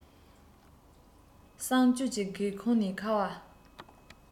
གསང སྤྱོད ཀྱི སྒེ འུ ཁུང ནས ཁ བ